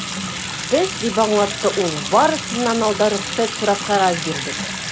Без, - дип аңлатты ул, - барысыннан алда рөхсәт сорап кәгазь бирдек.